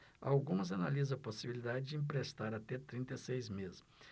algumas analisam a possibilidade de emprestar até trinta e seis meses